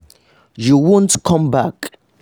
‘You won't come back!’